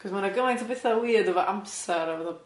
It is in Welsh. Cos ma' 'na gymaint o betha weird efo amser a fatha be ydi amser?